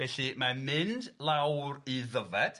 Felly mae'n mynd lawr i Ddyfed... Ia...